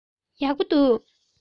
ཡག པོ འདུག